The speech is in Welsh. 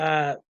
a